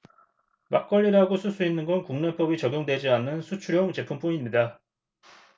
막걸리라고 쓸 수 있는 건 국내법이 적용되지 않는 수출용 제품뿐 입니다